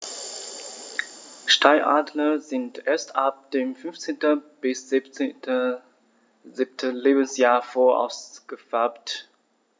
Steinadler sind erst ab dem 5. bis 7. Lebensjahr voll ausgefärbt.